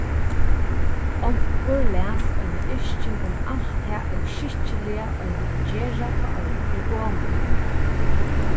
onkur las eina yrking um alt tað óskikkiliga ein kann gera tá ið ein er gomul